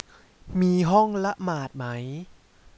มีห้องละหมาดไหม